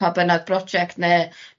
pa bynnag broject ne'